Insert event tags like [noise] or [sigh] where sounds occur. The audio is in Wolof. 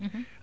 [hesitation] [hesitation]